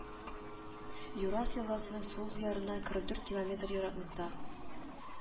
Юрас елгасының сул ярыннан кырык дүрт километр ераклыкта